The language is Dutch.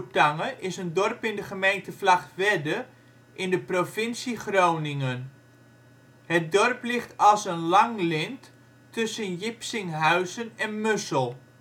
Taange) is een dorp in de gemeente Vlagtwedde in de provincie Groningen. Het dorp ligt als een lang lint tussen Jipsinghuizen en Mussel